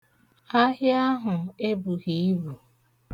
Ahịa ahụ ebughị ibu.